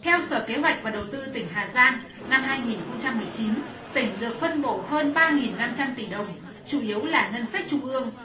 theo sở kế hoạch và đầu tư tỉnh hà giang năm hai nghìn không trăm mười chín tỉnh được phân bổ hơn ba nghìn năm trăm tỷ đồng chủ yếu là ngân sách trung ương